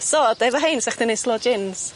So 'da efo rhein sa chdi'n neud slo jins.